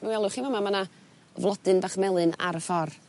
Mi welwch chi fa' 'ma ma' 'na flodyn bach melyn ar y ffor.